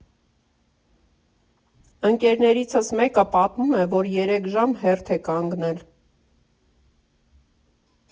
Ընկերնիցս մեկը պատմում է, որ երեք ժամ հերթ է կանգնել։